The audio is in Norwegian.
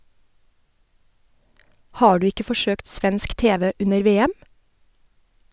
Har du ikke forsøkt svensk TV under VM?